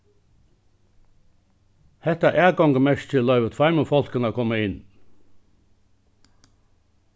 hetta atgongumerkið loyvir tveimum fólkum at koma inn